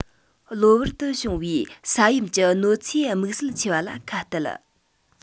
གློ བུར དུ བྱུང བའི ས ཡོམ གྱི གནོད འཚེ དམིགས བསལ ཆེ བ ལ ཁ གཏད